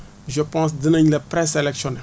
je pense dinañ la présellectionné